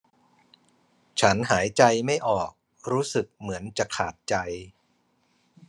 ฉันหายใจไม่ออกรู้สึกเหมือนจะขาดใจ